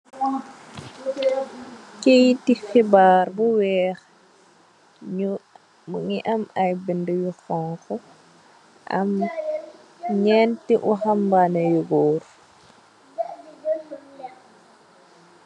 aiyit ti xibaar bu weex mingi am ayi binidi yu xongo am neehti warhamaneh yu goor.